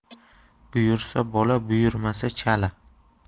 buyursa bola buyurmasa chala